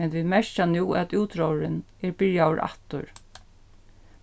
men vit merkja nú at útróðurin er byrjaður aftur